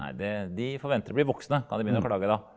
nei det de får vente til de blir voksne kan de begynne å klage da.